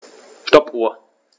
Stoppuhr.